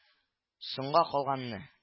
— соңга калганны